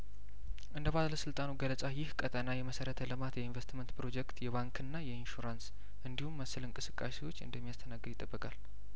እንደ ባለስልጣኑ ገለጻ ይህ ቀጠና የመሰረተ ልማት የኢንቨስትመንት ፕሮጀክት የባንክና ኢንሹራንስ እንዲሁም መሰል እንቅስቃሴዎች እንደሚያስተናግድ ይጠበቃል